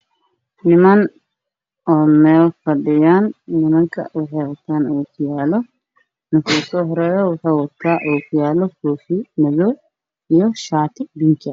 Niman oo meel fadhiyaan nimanka waxay wataan ookiyaalo ninka u soo horeeyo waxuu wataa ookiyaalo koofi madow iyo shaati binki ah.